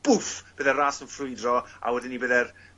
bwff bydde'r ras yn ffrwydro a wedyn 'ny bydde'r